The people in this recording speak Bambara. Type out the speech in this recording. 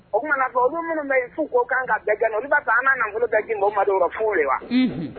O tumanaa fɔ olu minnu yen fo ko kan ka bɛɛ jan i b'a taa an na bɛɛ' bɔ madi la foyi ye wa